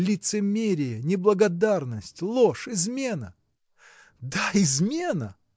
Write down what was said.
лицемерие, неблагодарность, ложь, измена!. да, измена!.